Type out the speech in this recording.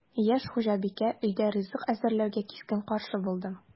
Яшь хуҗабикә өйдә ризык әзерләүгә кискен каршы булды: